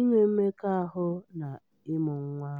inwe mmekọahụ na ịmụ nwa.